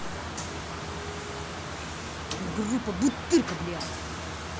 группа бутырка блядь